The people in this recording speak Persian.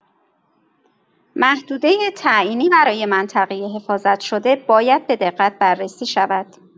محدوده تعیینی برای منطقه حفاظت شده باید به‌دقت بررسی شود.